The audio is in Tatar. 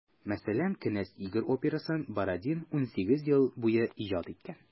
Мәсәлән, «Кенәз Игорь» операсын Бородин 18 ел буе иҗат иткән.